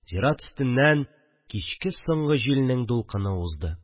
Зират өстеннән кичке соңгы җилнең дулкыны узды